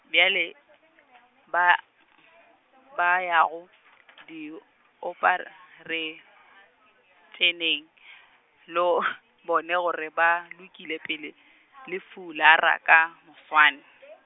bjale ba , ba yago diopareišeneng , le bone gore ba lokile pele le fulara ka moswane.